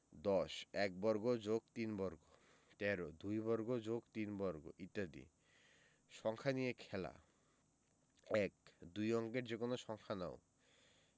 ১০ = ১ বর্গ + ৩ বর্গ ১৩ = ২ বর্গ + ৩ বর্গ ইত্যাদি সংখ্যা নিয়ে খেলা ১ দুই অঙ্কের যেকোনো সংখ্যা নাও